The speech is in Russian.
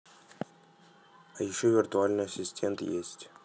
а еще виртуальный ассистент есть